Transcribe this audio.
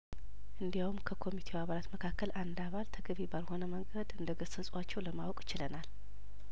እንዲያውም ከኮሚቴ አባላት መካከል አንድ አባል ተገቢ ባልሆነ መንገድ እንደገሰጿቸው ለማወቅ ችለናል